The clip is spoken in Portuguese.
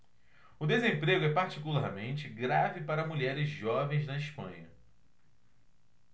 o desemprego é particularmente grave para mulheres jovens na espanha